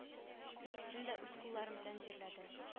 Икесен дә үз кулларым белән җирләдем